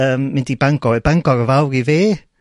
yym mynd i Bangor o'dd Bangor yn fawr i fi